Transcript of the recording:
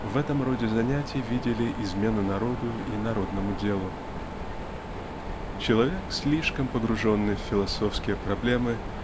в этом роде занятий видели измену народу и народному делу. Человек слишком погруженный в философские проблемы